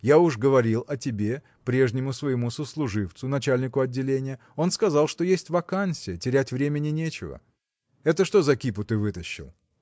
я уж говорил о тебе прежнему своему сослуживцу, начальнику отделения он сказал, что есть вакансия терять времени нечего. Это что за кипу ты вытащил?